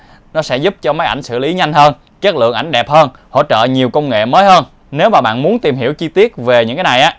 nó sẽ giúp cho máy ảnh xử lý nhanh hơn chất lượng ảnh đẹp hơn hỗ trợ nhiều công nghệ mới hơn nếu mà bạn muốn tìm hiểu chi tiết về những cái này